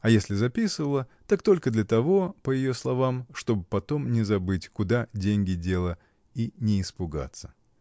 а если записывала, так только для того, по ее словам, чтоб потом не забыть, куда деньги дела, и не испугаться.